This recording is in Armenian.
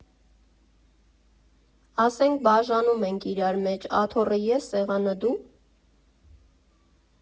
Ասենք, բաժանում եք իրար մեջ՝ աթոռը ես, սեղանը՝ դո՞ւ…